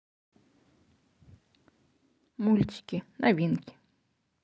мультики новинки